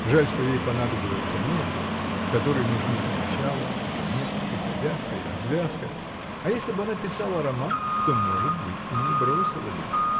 Жаль, что ей понадобилась комедия, в которой нужны и начало и конец, и завязка и развязка, а если б она писала роман, то, может быть, и не бросила бы.